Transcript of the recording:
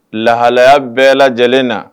Lahalaya bɛɛ lajɛlen na